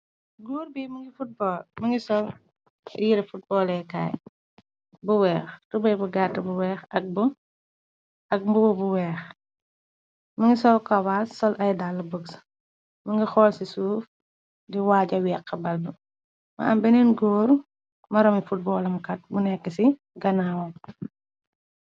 Góor bi mungi fotbool mi ngi sol yire futboolekaay bu weex. Tubay bu gatt bu weex ak mbubo bu weex. Mi ngi sol kowaas sol ay dàll bëxs mi ngi xool ci suuf di waaja weexa bal. Mu am beneen góor maraomi futboolemukat bu nekk ci ganaawoom.